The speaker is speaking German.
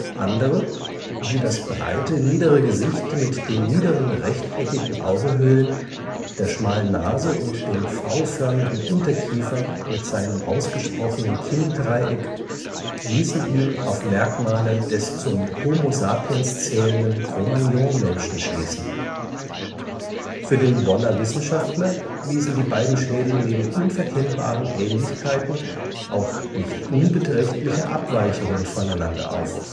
Andere, wie das breite niedere Gesicht mit den niederen rechteckigen Augenhöhlen, der schmalen Nase und dem V-förmigen Unterkiefer mit seinem ausgesprochenen Kinndreieck ließen ihn auf Merkmale des zum Homo sapiens zählenden Cro-Magnon-Menschen schließen. Für den Bonner Wissenschaftler wiesen die beiden Schädel neben unverkennbaren Ähnlichkeiten auch nicht unbeträchtliche Abweichungen voneinander auf